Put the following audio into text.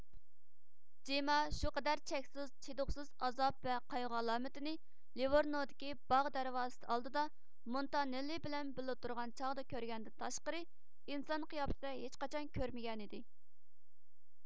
جېمما شۇ قەدەر چەكسىز چىدىغۇسىز ئازاب ۋە قايغۇ ئالامىتىنى لىۋورنودىكى باغ دەرۋازىسى ئالدىدا مونتانېللى بىلەن بىللە تۇرغان چاغدا كۆرگەندىن تاشقىرى ئىنسان قىياپىتىدە ھېچقاچان كۆرمىگەنىدى